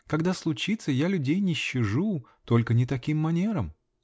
Когда случится, я людей не щажу -- только не таким манером.